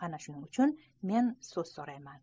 ana shuning uchun men so'z so'rayman